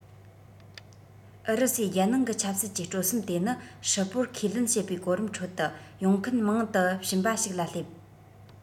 ཨུ རུ སུའི རྒྱལ ནང གི ཆབ སྲིད ཀྱི སྤྲོ སེམས དེ ནི ཧྲིལ པོ ཁས ལེན བྱེད པའི གོ རིམ ཁྲོད དུ ཡོང མཁན མང དུ ཕྱིན པ ཞིག ལ སླེབས